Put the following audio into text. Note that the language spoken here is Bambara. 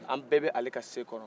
an bɛɛ bɛ ale ka se kɔnɔ